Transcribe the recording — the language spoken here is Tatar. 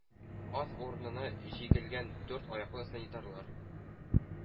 Ат урынына җигелгән дүрт аяклы санитарлар